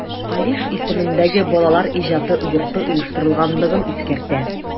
Алиш исемендәге Балалар иҗаты йорты оештырганлыгын искәртә.